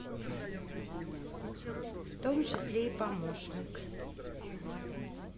в том числе и помощник